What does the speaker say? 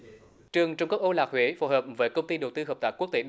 trường trung cấp âu lạc huế phù hợp với công ty đầu tư hợp tác quốc tế